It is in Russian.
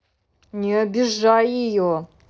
не обижай ее